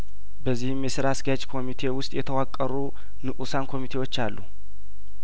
በዚህም የስራ አስኪያጅ ኮሚቴ ውስጥ የተዋቀሩ ንኡሳን ኮሚቴዎች አሉ